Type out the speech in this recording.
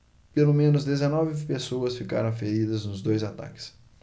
pelo menos dezenove pessoas ficaram feridas nos dois ataques